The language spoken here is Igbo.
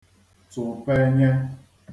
tụpenye